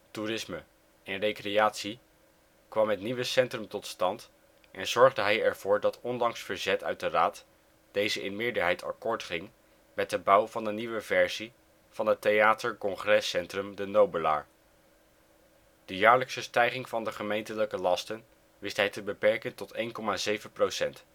toerisme en recreatie) kwam het nieuwe centrum tot stand en zorgde hij ervoor dat ondanks verzet uit de raad deze in meerderheid akkoord ging met de bouw van een nieuwe versie van het Theater Congrescentrum De Nobelaer. De jaarlijkse stijging van de gemeentelijke lasten wist hij te beperken tot 1,7 procent